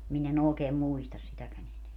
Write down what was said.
minä en oikein muista sitäkään enää